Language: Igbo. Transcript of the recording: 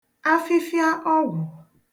afịfịa ọgwù